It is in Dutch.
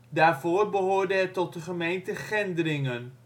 daarvoor behoorde het tot de gemeente Gendringen